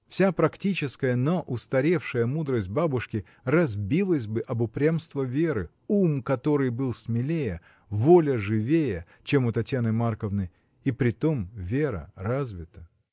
Вся практическая, но устаревшая мудрость бабушки разбилась бы об упрямство Веры, ум которой был смелее, воля живее, чем у Татьяны Марковны, и притом Вера развита.